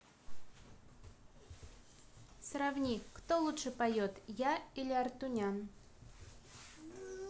сравни кто лучше поет я или артунян